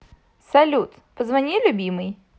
салют позвони любимой